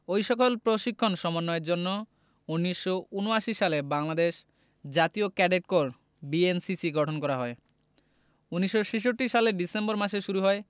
ওই সকল প্রশিক্ষণ সমন্বয়ের জন্য ১৯৭৯ সালে বাংলাদেশ জাতীয় ক্যাডেট কোর বিএনসিসি গঠন করা হয় ১৯৬৬ সালের ডিসেম্বর মাসে শুরু হয়